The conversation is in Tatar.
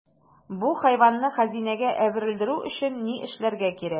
Бу хайванны хәзинәгә әверелдерү өчен ни эшләргә кирәк?